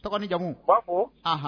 Tɔgɔ jamumu ko aɔn